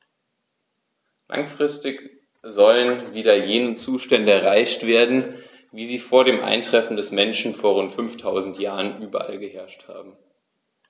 Langfristig sollen wieder jene Zustände erreicht werden, wie sie vor dem Eintreffen des Menschen vor rund 5000 Jahren überall geherrscht haben.